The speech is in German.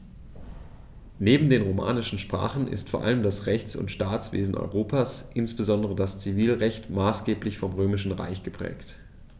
Neben den romanischen Sprachen ist vor allem das Rechts- und Staatswesen Europas, insbesondere das Zivilrecht, maßgeblich vom Römischen Recht geprägt.